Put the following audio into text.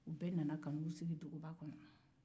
u bɛɛ nana ka n'u sigi duguba kɔnɔ